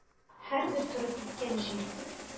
Һәрбер торып киткән җир.